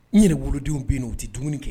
N yɛrɛ wolodenw bɛ yen'o tɛ dumuni kɛ